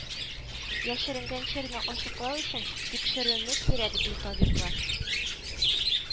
Яшеренгән чирне ачыклау өчен тикшеренү кирәк, ди табиблар